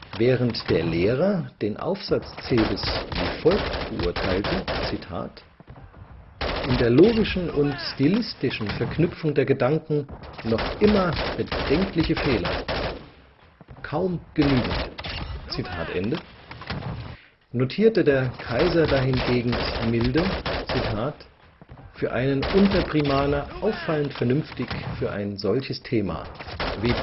Während der Lehrer den Aufsatz Zehbes wie folgt beurteilte: „ In der logischen und stilistischen Verknüpfung der Gedanken noch immer bedenkliche Fehler. Kaum gen [ü] g [en] d. “notierte der Kaiser milde: „ Für einen Unterprimaner auffallend vernünftig für ein solches Thema! W.